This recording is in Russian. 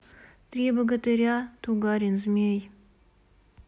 три богатыря тугарин змей